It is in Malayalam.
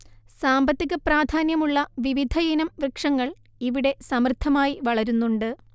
സാമ്പത്തിക പ്രാധാന്യമുള്ള വിവിധയിനം വൃക്ഷങ്ങൾ ഇവിടെ സമൃദ്ധമായി വളരുന്നുണ്ട്